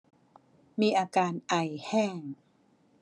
มีอาการไอแห้ง